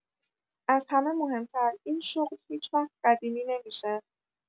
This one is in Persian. از همه مهم‌تر، این شغل هیچ‌وقت قدیمی نمی‌شه.